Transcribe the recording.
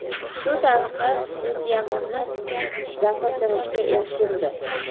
shu tariqa nesyamunni gapirtirishga erishildi